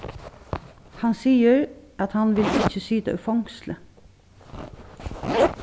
hann sigur at hann vil ikki sita í fongsli